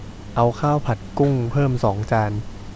เอาข้าวผัดกุ้งเพิ่มสองจาน